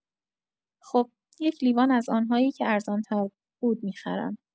خب، یک لیوان از آن‌هایی که ارزان‌تر بود می‌خرم.